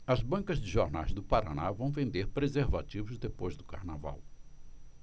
as bancas de jornais do paraná vão vender preservativos depois do carnaval